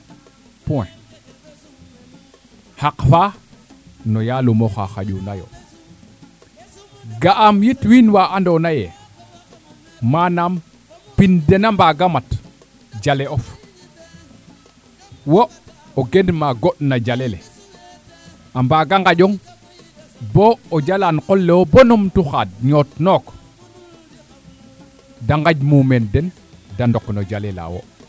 point xaq faa no yalum oxa xaƴuna yo ga'am yit wiin wa ando naye manam pin den a mbaaga mat jale of wo o gen o goɗna jale le a mbaaga ŋaƴong bo o jala qolewo bo numtu xaad ñoot nook de ŋaƴmumeen den de ndok no jale laawo